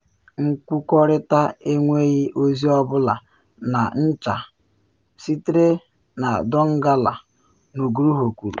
Nkwukọrịta enweghị ozi ọ bụla ma ncha sitere na Donggala, Nugroho kwuru.